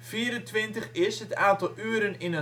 Vierentwintig is: het aantal uren in